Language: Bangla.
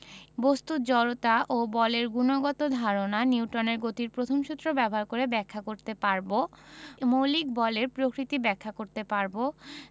বস্তুর জড়তা ও বলের গুণগত ধারণা নিউটনের গতির প্রথম সূত্র ব্যবহার করে ব্যাখ্যা করতে পারব মৌলিক বলের প্রকৃতি ব্যাখ্যা করতে পারব